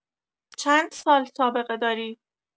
چند سال سابقه‌داری؟